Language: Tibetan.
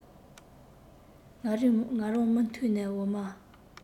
ང རང མུ མཐུད ནས འོ མ